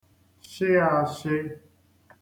shị ashị̄